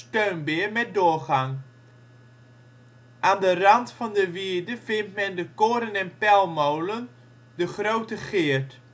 steunbeer met doorgang. Aan de rand van de wierde vindt men de koren - en pelmolen de Grote Geert